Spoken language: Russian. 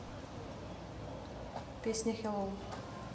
песня хэллоу